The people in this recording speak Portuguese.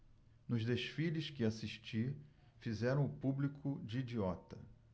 nos desfiles que assisti fizeram o público de idiota